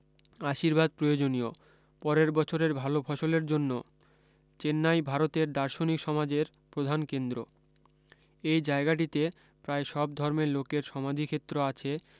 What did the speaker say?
আশীর্বাদ প্রয়োজনীয় পরের বছরের ভালো ফসলের জন্য চেন্নাই ভারতের দার্শনিক সমাজের প্রধান কেন্দ্র এই জায়গাটিতে প্রায় সব ধর্মের লোকের সমাধিক্ষেত্র আছে